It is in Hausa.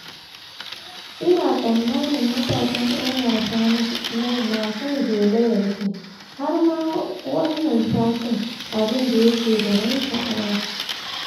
"Ina tsammanin matasan ‘yan wasa na son zolayar shi, har ma, wannan satin, abin da yake da ban sha'awa.